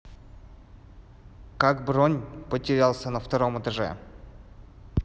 как бронь потерялся на втором этаже